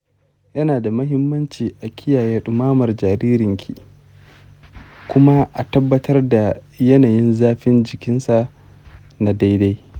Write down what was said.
yana da mahimmanci a kiyaye ɗumamar jaririnki kuma a tabbatar da yanayin zafin jikinsa na daidai